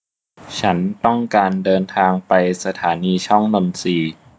ฉันต้องการเดินทางไปสถานีช่องนนทรี